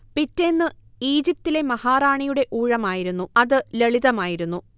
പിറ്റേന്നു ഈജിപ്തിലെ മഹാറാണിയുടെ ഊഴമായിരുന്നു അതു ലളിതമായിരുന്നു